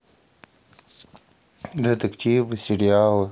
детективы сериалы